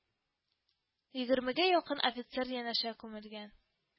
Егермегә якын офицер янәшә күмелгән